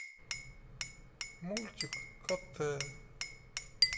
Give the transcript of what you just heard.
мультик коте